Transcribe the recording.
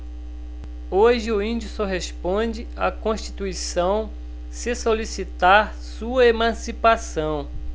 hoje o índio só responde à constituição se solicitar sua emancipação